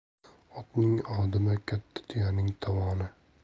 otning odimi katta tuyaning tovoni